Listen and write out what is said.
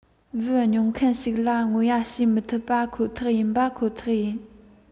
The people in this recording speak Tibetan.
བུ མྱོང མཁན ཞིག ལ ངོ ཡ བྱེད མི ཐུབ པ ཁོ ཐག ཡིན པ ཁོ ཐག ཡིན